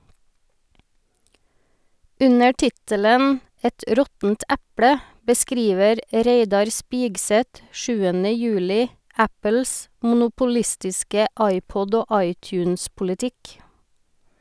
Under tittelen «Et råttent eple» beskriver Reidar Spigseth 7. juli Apples monopolistiske iPod- og iTunes-politikk.